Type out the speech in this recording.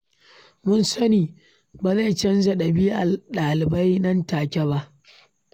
‘Mun sani ba zai canza ɗabi’ar ɗalibai nan take ba.